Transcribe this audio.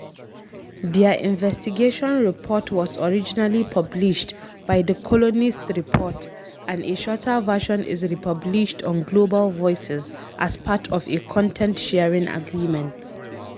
Their investigation report was originally published by The Colonist Report, and a shorter version is republished on Global Voices as part of a content-sharing agreement.